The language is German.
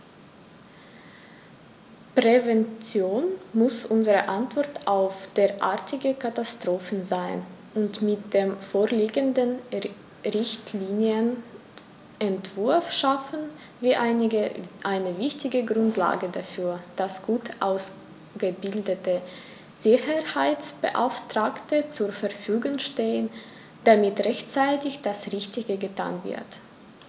Prävention muss unsere Antwort auf derartige Katastrophen sein, und mit dem vorliegenden Richtlinienentwurf schaffen wir eine wichtige Grundlage dafür, dass gut ausgebildete Sicherheitsbeauftragte zur Verfügung stehen, damit rechtzeitig das Richtige getan wird.